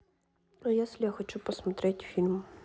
а если я хочу посмотреть фильм